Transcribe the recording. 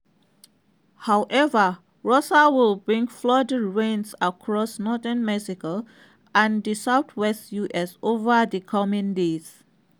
However, Rosa will bring flooding rains across northern Mexico and the southwest U.S. over the coming days.